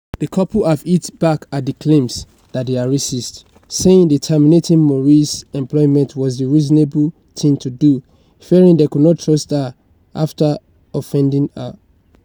The couple have hit back at the claims that they are racist, saying that terminating Maurice's employment was the reasonable thing to do, fearing they could not trust her after offending her.